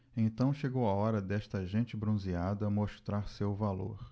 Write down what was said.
então chegou a hora desta gente bronzeada mostrar seu valor